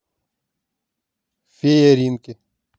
фея ринки